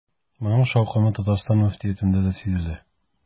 Моның шаукымы Татарстан мөфтиятендә дә сизелә.